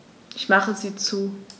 Ich mache sie zu.